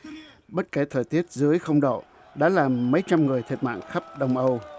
bất kể thời tiết dưới không độ đã làm mấy trăm người thiệt mạng khắp đông âu